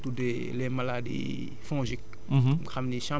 parce que am na lu ñuy tuddee les maladies fongiques